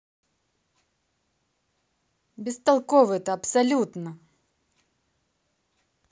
бестолковые то абсолютно